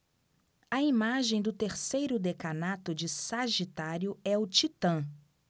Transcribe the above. a imagem do terceiro decanato de sagitário é o titã